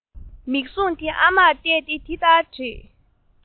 མིག ཟུང དེ ཨ མར གཏད དེ དེ ལྟར དྲིས